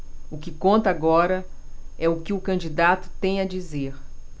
o que conta agora é o que o candidato tem a dizer